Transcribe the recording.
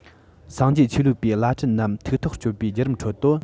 སངས རྒྱས ཆོས ལུགས པའི བླ སྤྲུལ རྣམས ཐུགས ཐག གཅོད པའི བརྒྱུད རིམ ཁྲོད དུ